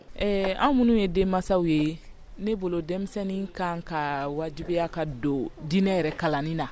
ee an minnu ye denmansaw ye ne bolo denmisɛnnin ka kan ka wajibiya ka don diinɛ yɛrɛ kalanni na